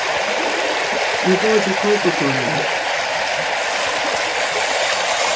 vit vóru hjá kópakonuni